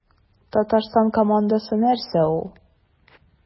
Татарстан командасы нәрсә ул?